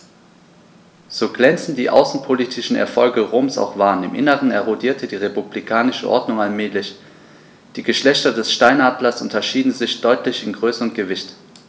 So glänzend die außenpolitischen Erfolge Roms auch waren: Im Inneren erodierte die republikanische Ordnung allmählich. Die Geschlechter des Steinadlers unterscheiden sich deutlich in Größe und Gewicht.